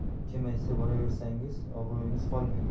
kim aytsa boraversangiz obro'yingiz qolmaydi